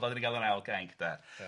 Fel 'da ni gael yr ail Gainc, 'de? Ia.